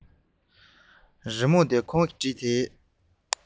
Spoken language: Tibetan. རི མོ འདི ཁོང གིས བྲིས སོང